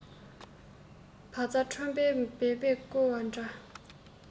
བ ཚྭའི ཁྲོན པ འབད པས རྐོ བ འདྲ